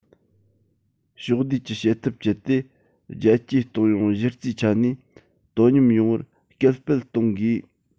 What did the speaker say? ཕྱོགས བསྡུས ཀྱི བྱེད ཐབས སྤྱད དེ རྒྱལ སྤྱིའི གཏོང ཡོང གཞི རྩའི ཆ ནས དོ མཉམ ཡོང བར སྐུལ སྤེལ གཏོང དགོས